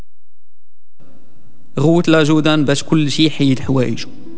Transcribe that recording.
هوتل اجودا بس كل شيء حي الحويج